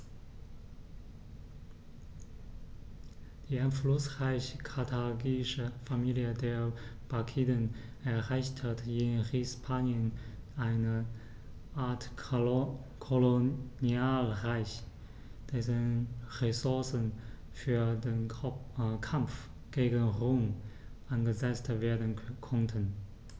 Die einflussreiche karthagische Familie der Barkiden errichtete in Hispanien eine Art Kolonialreich, dessen Ressourcen für den Kampf gegen Rom eingesetzt werden konnten.